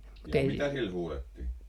mitä sille huudettiin